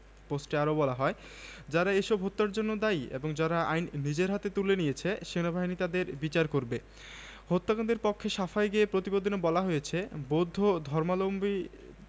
গত মাসে রাখাইনে একটি গণকবর নিয়ে অনুসন্ধানী প্রতিবেদন তৈরির কাজ করতে গিয়ে বার্তা সংস্থা রয়টার্সের দুজন সাংবাদিক আটক হন তাঁদের কাছে পাওয়া তথ্যের ভিত্তিতে রাখাইনের ইন দিন গ্রামে গণকবরের সন্ধান মেলে